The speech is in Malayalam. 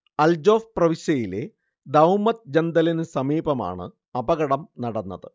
അൽജൗഫ് പ്രവിശ്യയിലെ ദൗമത്ത് ജൻദലിന് സമീപമാണ് അപകടം നടന്നത്